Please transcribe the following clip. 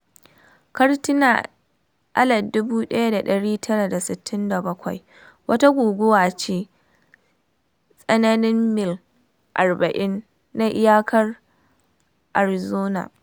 Katrina (1967) wata guguwa ce tsakanin mil 40 na iyakar Arizona.”